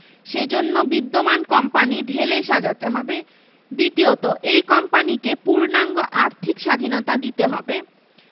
সে জন্য বিদ্যমান কোম্পানি ঢেলে সাজাতে হবে দ্বিতীয়ত এই কোম্পানিকে পূর্ণাঙ্গ আর্থিক স্বাধীনতা দিতে হবে